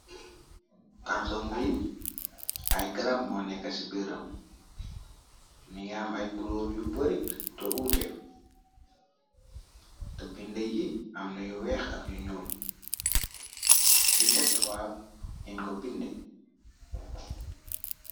Kartong bi ay garab moo nekk ci biram, mi nga am ay kulór yu bari te uute, te binde yi amna yu weex ak yu ñuul, bindab tubaab nin ko binde.